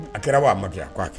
A kɛra' a amadudi a k' a kɛ